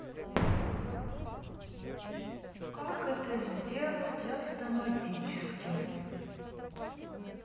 как это сделать автоматически